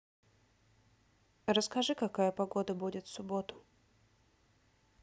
расскажи какая погода будет в субботу